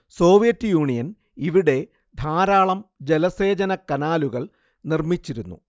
Soviet Union ഇവിടെ ധാരാളം ജലസേചന കനാലുകൾ നിർമ്മിച്ചിരുന്നു